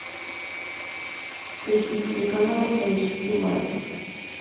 включи телеканал эйч ти лайв